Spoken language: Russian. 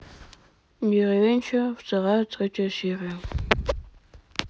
деревенщина вторая третья серия